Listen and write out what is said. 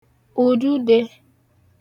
ùdudē